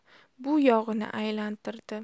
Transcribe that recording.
bu yog'ini aylantirdi